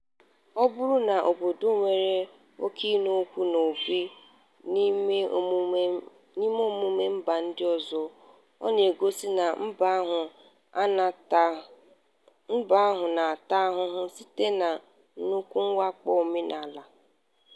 Ọ bụrụ na obodo nwere oke ịnụ ọkụ n'obi n'ime emume mba ndị ọzọ, ọ na-egosi na mba ahụ na-ata ahụhụ site na nnukwu mwakpo omenala.